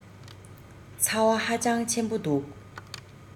ཚ བ ཧ ཅང ཆེན པོ འདུག